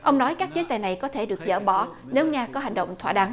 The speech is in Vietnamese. ông nói các chế tài này có thể được dỡ bỏ nếu nga có hành động thỏa đáng